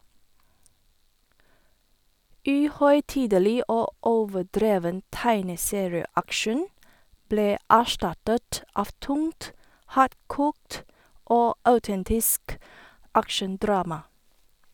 Uhøytidelig og overdreven tegneserieaction ble erstattet av tungt, hardkokt og autentisk action-drama.